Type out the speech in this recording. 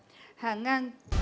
hàng ngang